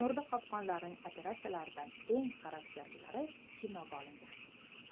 murda qopqonlarning operatsiyalaridan eng xarakterlilari kinoga olingan